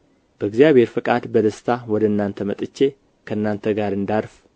በእግዚአብሔር ፈቃድ በደስታ ወደ እናንተ መጥቼ ከእናንተ ጋር እንዳርፍ